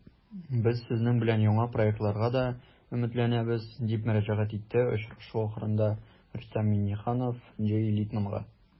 Без сезнең белән яңа проектларга да өметләнәбез, - дип мөрәҗәгать итте очрашу ахырында Рөстәм Миңнеханов Джей Литманга.